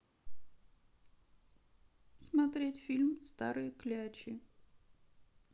смотреть фильм старые клячи